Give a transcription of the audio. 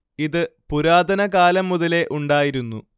ഇത് പുരാതന കാലം മുതലേ ഉണ്ടായിരുന്നു